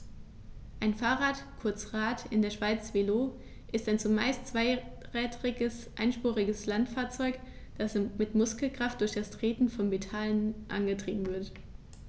Ein Fahrrad, kurz Rad, in der Schweiz Velo, ist ein zumeist zweirädriges einspuriges Landfahrzeug, das mit Muskelkraft durch das Treten von Pedalen angetrieben wird.